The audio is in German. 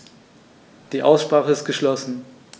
Die Aussprache ist geschlossen.